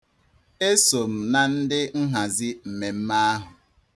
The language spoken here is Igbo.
Eso m na ndị nhazi mmemme ahụ.